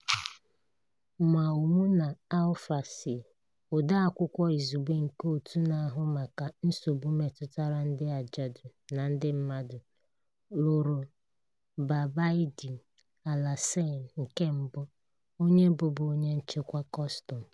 Maimouna Alpha Sy, odeakwụkwọ izugbe nke Òtù na-ahụ maka Nsogbu Metụtara Ndị Ajadu na Ndị Mmadụ, lụrụ Ba Baïdy Alassane na mbụ, onye bụbu onye nchịkwa kọstọmu.